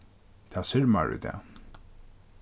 tað sirmar í dag